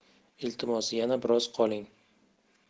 iltimos yana biroz qoling